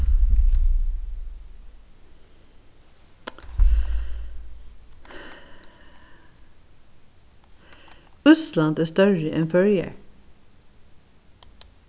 ísland er størri enn føroyar